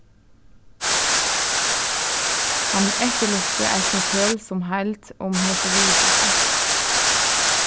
hann eftirlýsti eisini tøl sum heild um hesi viðurskifti